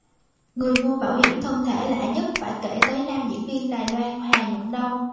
người mua bảo hiểm thân thể lạ nhất phải kể tới nam diễn viên đài loan hà nhuận đông